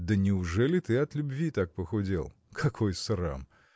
– Да неужели ты от любви так похудел? Какой срам!